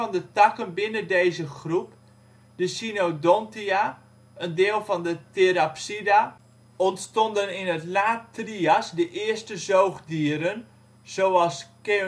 de takken binnen deze groep, de Cynodontia (een deel van de Therapsida) ontstonden in het Laat-Trias de eerste zoogdieren, zoals Kuehneotherium